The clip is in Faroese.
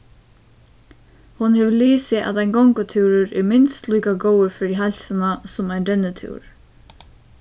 hon hevur lisið at ein gongutúrur er minst líka góður fyri heilsuna sum ein rennitúr